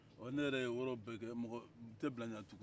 ne yɛrɛ y'o yɔrɔ bɛɛ kɛ mɔgɔ tɛ bila n ɲɛ tungun